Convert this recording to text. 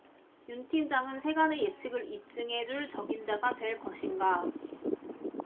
윤 팀장은 세간의 예측을 입증해 줄 적임자가 될 것인가